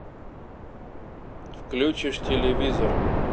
включишь телевизор